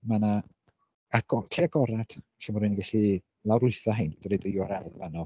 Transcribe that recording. Ma' 'na agor... lle agorad lle ma' rywun yn gallu lawrlwytho hein, dwi roid yr URL fanno